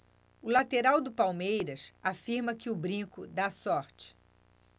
o lateral do palmeiras afirma que o brinco dá sorte